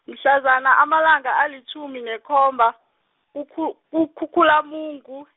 mhlazana amalanga alitjhumi nekhomba, kuKhu- kuKhukhulamungu.